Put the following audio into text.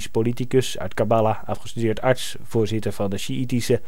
politicus uit Karbala; afgestudeerd arts; voorzitter van sjiitische